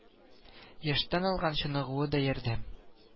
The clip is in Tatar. Яшьтән алган чыныгуы да ярдәм